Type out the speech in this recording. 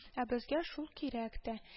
Ә безгә шул кирәк тә